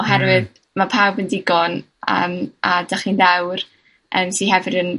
Oherwydd ma' pawb yn digon yym a 'dych chi'n ddewr. Yym sy hefyd yn